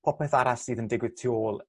popeth arall sydd yn digwydd tu ôl